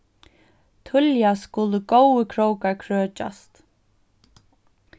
tíðliga skulu góðir krókar krøkjast